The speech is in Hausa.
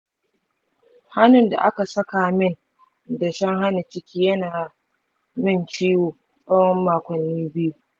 hanun da aka saka min dashen hana ciki yana min ciwo tsawon makonni biyu.